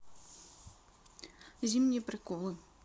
зимние приколы